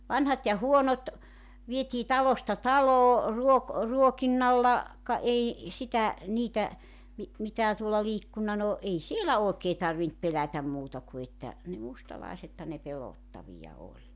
vanhat ja huonot vietiin talosta taloon - ruokinnalla ka ei sitä niitä - mitään tuolla liikkunut no ei siellä oikein tarvinnut pelätä muuta kuin että ne mustalaisethan ne pelottavia oli